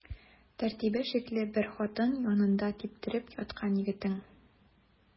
Тәртибе шикле бер хатын янында типтереп яткан егетең.